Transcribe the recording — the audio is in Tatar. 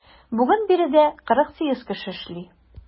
Бүген биредә 48 кеше эшли.